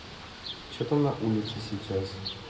че там на улице сейчас